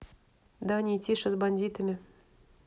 даня и тиша с бандитами